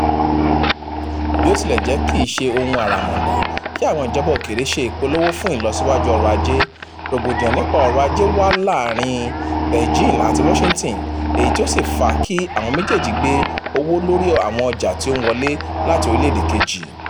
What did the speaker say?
Bí ó tilẹ̀ jẹ́ kìí ṣe ohun àràmọ̀ndà kí àwọn ìjọba òkèèrè ṣe ìpolówó fún ìlọsíwájú ọrọ̀ ajé, rògbòdìyàn nípa ọrọ̀ ajé wà láàrin Beijing ati Washington, èyí tí ó sì fà á kí àwọn méjèèjì gbé owó lórí àwọn ọjà tí ó ń wọlé láti orílẹ̀èdè kejì.